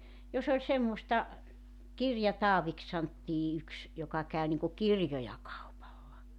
jos oli semmoista Kirja-Taaviksi sanottiin yksi joka kävi niin kuin kirjoja kaupalla